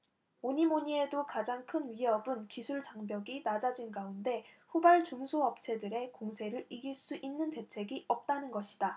뭐니뭐니해도 가장 큰 위협은 기술장벽이 낮아진 가운데 후발 중소업체들의 공세를 이길 수 있는 대책이 없다는 것이다